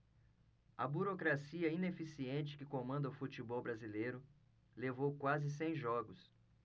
a burocracia ineficiente que comanda o futebol brasileiro levou quase cem jogos